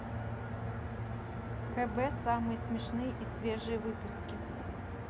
хб самые смешные и свежие выпуски